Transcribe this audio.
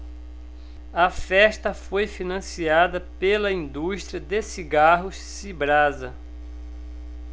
a festa foi financiada pela indústria de cigarros cibrasa